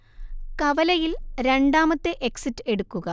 കവലയിൽ രണ്ടാമത്തെ എക്സിറ്റ് എടുക്കുക